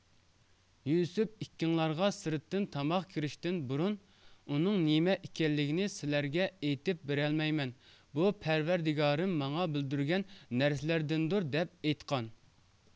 يۈسۈف ئىككىڭلارغا سىرتتىن تاماق كىرىشتىن بۇرۇن ئۇنىڭ نېمە ئىكەنلىكىنى سىلەرگە ئېيتىپ بېرەلەيمەن بۇ پەرۋەردىگارىم ماڭا بىلدۈرگەن نەرسىلەردىندۇر دەپ ئېيىتقان